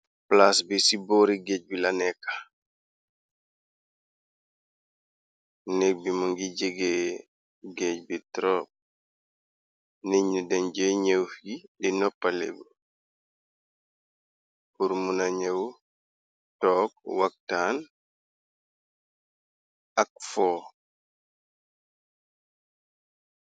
Plaas bi ci boori géej bi la nekka nekk bi mu ngi jegee géej bi troop niñn dañ jey ñëw yi di noppale pur muna ñëw took waktaan ak fo.